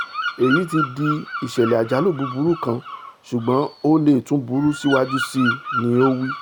Èyí ti di ìṣẹ̀lẹ̀ àjálù buburú kan, ṣùgbọ́n o leè tún burú síwájú síi,'' ni o wí.